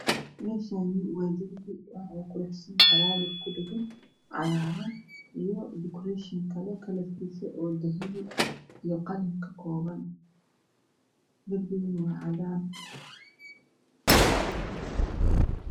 Meshani waa derbi waxaa quruxsan falawar mi dhegan cagaran iyo dukureeshin kale kalarkisa dahabi iyo qalin ka kooban derbiguna waa cadan